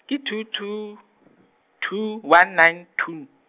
ke two two, two one nine, two.